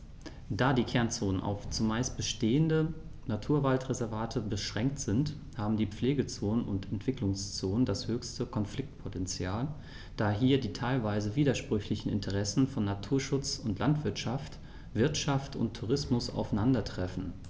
Da die Kernzonen auf – zumeist bestehende – Naturwaldreservate beschränkt sind, haben die Pflegezonen und Entwicklungszonen das höchste Konfliktpotential, da hier die teilweise widersprüchlichen Interessen von Naturschutz und Landwirtschaft, Wirtschaft und Tourismus aufeinandertreffen.